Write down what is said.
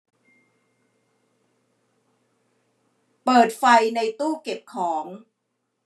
เปิดไฟในตู้เก็บของ